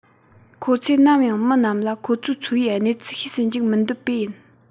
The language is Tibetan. ཁོ ཚོས ནམ ཡང མི རྣམས ལ ཁོ ཚོའི འཚོ བའི གནས ཚུལ ཤེས སུ འཇུག མི འདོད པས ཡིན